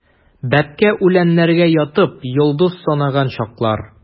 Бәбкә үләннәргә ятып, йолдыз санаган чаклар.